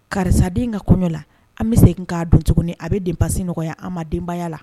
Karisa den ka kɔɲɔ la an bɛ segin k'a don tuguni a bɛ den pasi nɔgɔya an ma denbaya la